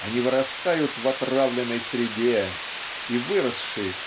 они вырастают в отравленной среде и выросши